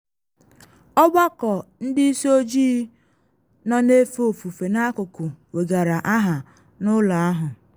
Ọgbakọ ndị isii ojii nọ na efe ofufe n’akụkụ wegara aha n’ụlọ ahụ.